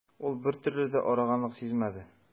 Ул бертөрле дә арыганлык сизмәде.